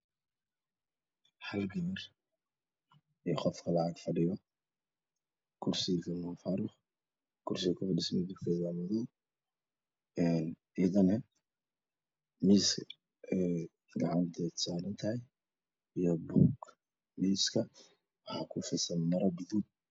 Qof Kala akfadhiyo gursiga akfadhido waa madow